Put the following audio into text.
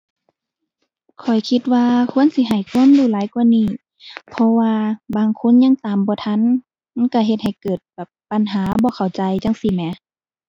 ข้อยคิดว่าควรสิให้ความรู้หลายกว่านี้ เพราะว่าบางคนยังตามบ่ทัน มันก็เฮ็ดให้เกิดแบบปัญหา บ่เข้าใจจั่งซี้แหม